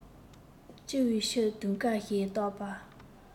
ཅི འི ཕྱིར དུང དཀར ཞེས བཏགས པ